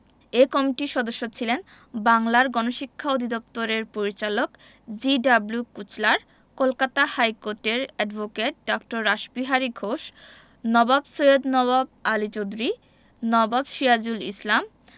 এ কমিটির সদস্য ছিলেন বাংলার গণশিক্ষা অধিদপ্তরের পরিচালক জি.ডব্লিউ কুচলার কলকাতা হাইকোর্টের অ্যাডভোকেট ড. রাসবিহারী ঘোষ নবাব সৈয়দ নবাব আলী চৌধুরী নবাব সিরাজুল ইসলাম